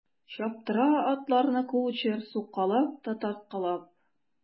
Чаптыра атларны кучер суккалап та тарткалап.